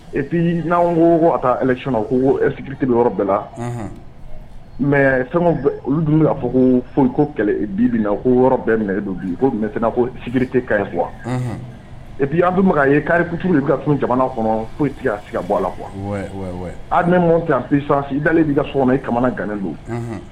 Epi n' ko ko a taas kote bɛ yɔrɔ bɛɛ la mɛ fɛn olu dun bɛ' fɔ ko ko bi ko yɔrɔ bɛ minɛ don kote kɛrɛ epi andu a ye karitu ka tun jamana kɔnɔ foyi ka bɔ la kuwa a nesa dalen bɛ ka kamana gan don